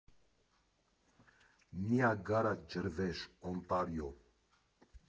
Նիագարա ջրվեժ, Օնտարիո։